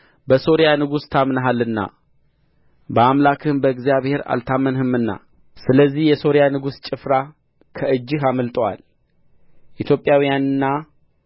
በሶሪያ ንጉሥ ታምነሃልና በአምላክህም በእግዚአብሔር አልታመንህምና ስለዚህ የሶሪያ ንጉሥ ጭፍራ ከእጅህ አምልጦአል ኢትዮጵያውያንና